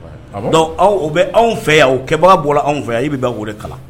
Bɛ anw fɛ yan o kɛbaga bɔra anw fɛ yan i bɛ bɛ woro kalan